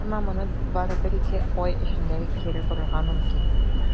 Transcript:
Әмма моны бары бер-ике ай эчендә кире борырга мөмкин.